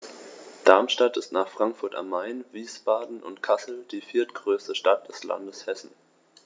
Darmstadt ist nach Frankfurt am Main, Wiesbaden und Kassel die viertgrößte Stadt des Landes Hessen